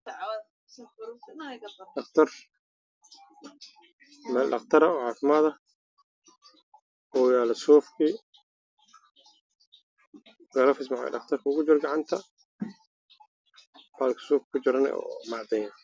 Waa saxan cadaan waxaa ku jira dhakhtar ilkaha